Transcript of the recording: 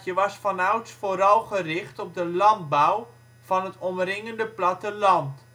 was vanouds vooral gericht op de landbouw van het omringende platteland